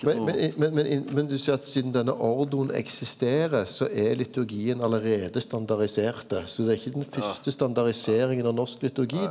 men men men men men du seier at sidan denne ordoen eksisterer så er liturgien allereie standardisert så det er ikkje den fyrste standardiseringa av norsk liturgi.